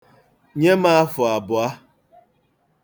Nye m afụ abụọ.